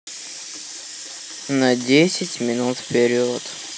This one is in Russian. на десять минут вперед